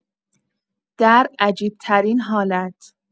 در عجیب‌ترین حالت